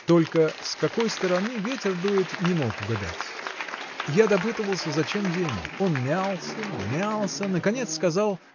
только с какой стороны ветер дует – не мог угадать. Я допытываться, зачем деньги? Он мялся мялся наконец сказал